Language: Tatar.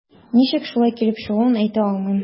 Ничек шулай килеп чыгуын әйтә алмыйм.